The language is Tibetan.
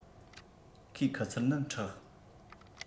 ཁོའི ཁུ ཚུར ནི མཁྲེགས